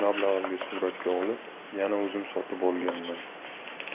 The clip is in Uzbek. mablag'imga suratga olib o'zim yana sotib olganman